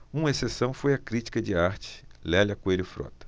uma exceção foi a crítica de arte lélia coelho frota